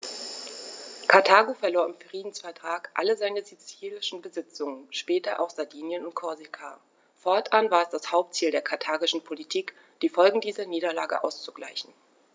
Karthago verlor im Friedensvertrag alle seine sizilischen Besitzungen (später auch Sardinien und Korsika); fortan war es das Hauptziel der karthagischen Politik, die Folgen dieser Niederlage auszugleichen.